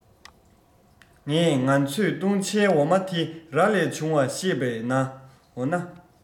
ངས ང ཚོས བཏུང བྱའི འོ མ དེ ར ལས བྱུང བ ཤེས པས ན འོ ན